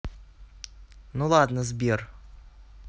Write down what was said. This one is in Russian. ну ладно сбер